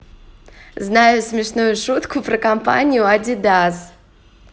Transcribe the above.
знаю смешную шутку про компанию адидас